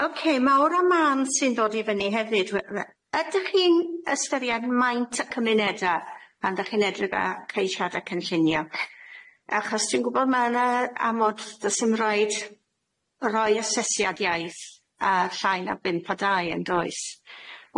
Ocê ma' ora man sy'n dod i fyny hefyd we- we- ydych chi'n ystyried maint y cymuneda pan dych chi'n edrych ar ceisiadau cynllunio, achos dwi'n gwbod ma' yna amod does dim raid roi asesiad iaith ar llai na bump o dai yndoes?